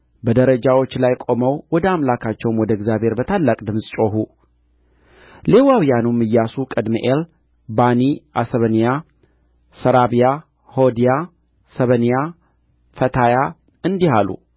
በደረጃዎች ላይ ቆመው ወደ አምላካቸው ወደ እግዚአብሔር በታላቅ ድምፅ ጮኹ ሌዋውያኑም ኢያሱ ቀድምኤል ባኒ አሰበንያ ሰራብያ ሆዲያ ሰበንያ ፈታያ እንዲህ አሉ